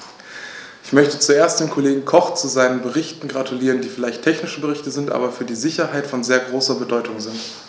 Ich möchte zuerst dem Kollegen Koch zu seinen Berichten gratulieren, die vielleicht technische Berichte sind, aber für die Sicherheit von sehr großer Bedeutung sind.